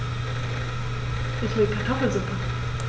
Ich will Kartoffelsuppe.